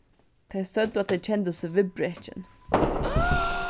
tey søgdu at tey kendu seg viðbrekin